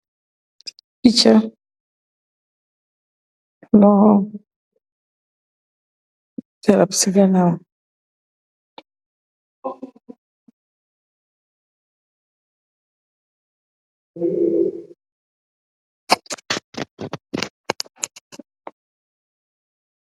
Picha garab si ganaw.